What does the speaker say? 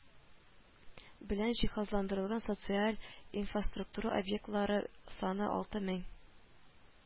Белән җиһазландырылган социаль инфраструктура объектлары саны алты мең